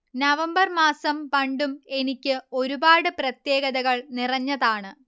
November മാസം പണ്ടും എനിക്ക് ഒരുപാട് പ്രത്യേകതകൾ നിറഞ്ഞതാണ്